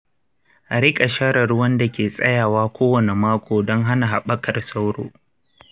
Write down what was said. a rika share ruwan da ke tsayawa kowane mako don hana haɓakar sauro.